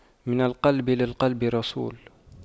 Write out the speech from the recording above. من القلب للقلب رسول